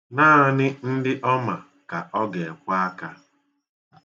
Naanị ndị ọ ma ka ọ ga-ekwe aka.